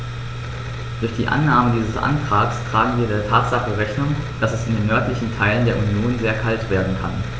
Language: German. Durch die Annahme dieses Antrags tragen wir der Tatsache Rechnung, dass es in den nördlichen Teilen der Union sehr kalt werden kann.